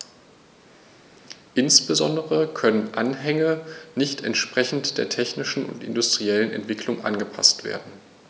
Insbesondere können Anhänge nicht entsprechend der technischen und industriellen Entwicklung angepaßt werden.